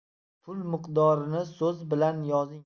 pul miqdorini so'z bilan yozing